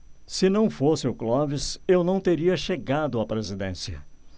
se não fosse o clóvis eu não teria chegado à presidência